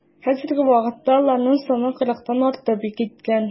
Хәзерге вакытта аларның саны кырыктан артып киткән.